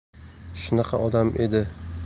shunaqa odam edi